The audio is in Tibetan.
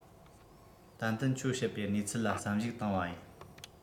ཏན ཏན ཁྱོད བཤད པའི གནས ཚུལ ལ བསམ གཞིགས བཏང བ ཡིན